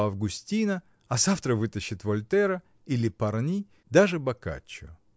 Августина, а завтра вытащит Вольтера или Парни, даже Боккаччио.